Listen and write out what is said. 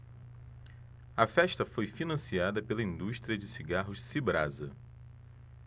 a festa foi financiada pela indústria de cigarros cibrasa